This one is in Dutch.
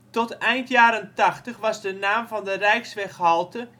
Tot eind jaren tachtig was de naam van de rijksweghalte